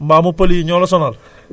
mbaamu pël yi ñoo la sonal